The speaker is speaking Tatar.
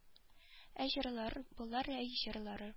Әй җырлыйлар болар әй җырлыйлар